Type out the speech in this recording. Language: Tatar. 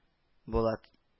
Булат